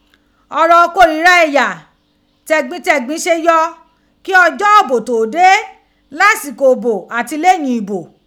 Ọ̀rọ̀ ìkórìíra ẹ̀yà tẹ̀gbintẹ̀gbin ṣẹ́ yọ kí ọjọ́ ìbò tó de, lásìkò ìbò àti leyìn ìbò.